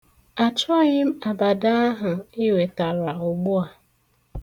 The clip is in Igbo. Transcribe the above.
Achọghị m abada ahụ i wetara ugbu a.